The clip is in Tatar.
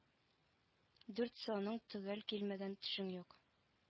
Дүрт саның төгәл килмәгән төшең юк